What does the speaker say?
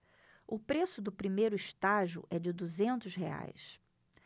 o preço do primeiro estágio é de duzentos reais